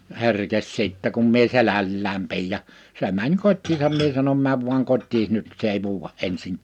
herkesi sitten kun minä selällään pidin ja se meni kotiinsa minä sanon mene vain kotiisi nyt se ei vuoda -